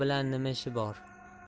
bilan nima ishi bor